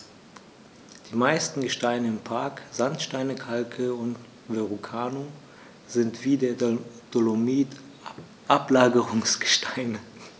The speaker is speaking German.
Die meisten Gesteine im Park – Sandsteine, Kalke und Verrucano – sind wie der Dolomit Ablagerungsgesteine.